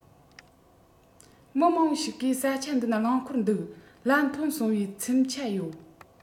མི མང པོ ཞིག གིས ས ཆ འདི ན རླངས འཁོར འདུག གླ མཐོ སོང བའི འཛེམ ཆ ཡོད